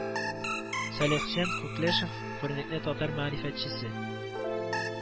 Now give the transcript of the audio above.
Салихҗан Күкләшев күренекле татар мәгърифәтчесе